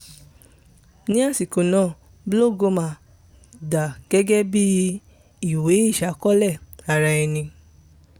Ní àsìkò náà, Blogoma dà gẹ́gẹ́ bíi ìwé ìṣàkọsílẹ̀ ara-ẹni.